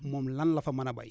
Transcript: moom lan la fa mën a béy